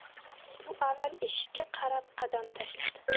u avval eshikka qarab qadam tashladi